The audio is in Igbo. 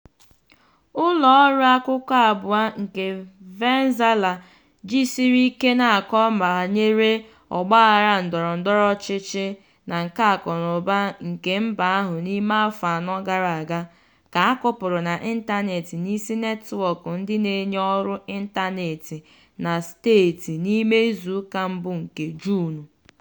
Ụlọọrụ akụkọ abụọ nke Venezuela jisiri ike na-akọ banyere ọgbaaghara ndọrọndọrọ ọchịchị na nke akụnaụba nke mba ahụ n'ime afọ anọ gara aga ka a kụpụrụ n'ịntanetị n'isi netwọk ndị na-enye ọrụ ịntanetị na steeti n'ime izuụka mbụ nke Juun.